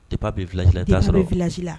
Depuis a be village la i be taa sɔrɔɔ